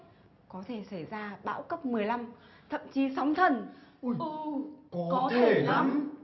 có thể xảy ra bão cấp thậm chí sóng thần ui ừ có thể lắm